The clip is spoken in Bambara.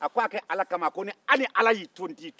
a ko a kɛ ala kama a ko hali ni ala y'i to n t'i to